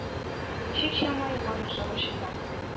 Чик-чама юк аның сагышына.